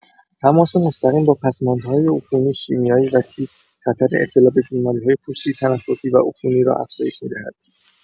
تماس مستقیم با پسماندهای عفونی، شیمیایی و تیز، خطر ابتلا به بیماری‌های پوستی، تنفسی و عفونی را افزایش می‌دهد.